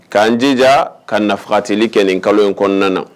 K'an jija ka nafatili kɛ nin kalo in kɔnɔna na